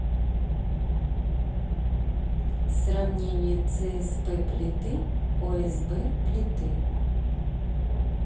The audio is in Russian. сравнение цсп плиты осб плиты